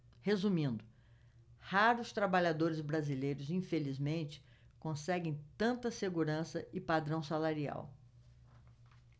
resumindo raros trabalhadores brasileiros infelizmente conseguem tanta segurança e padrão salarial